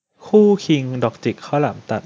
คู่คิงดอกจิกข้าวหลามตัด